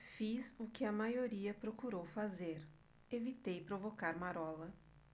fiz o que a maioria procurou fazer evitei provocar marola